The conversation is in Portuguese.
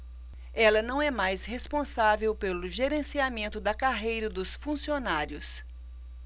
ela não é mais responsável pelo gerenciamento da carreira dos funcionários